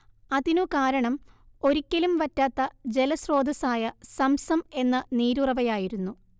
അതിനു കാരണം ഒരിക്കലും വറ്റാത്ത ജലസ്രോതസ്സായ സംസം എന്ന നീരുറവയായിരുന്നു